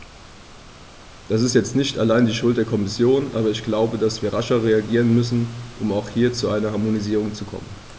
Das ist jetzt nicht allein die Schuld der Kommission, aber ich glaube, dass wir rascher reagieren müssen, um hier auch zu einer Harmonisierung zu kommen.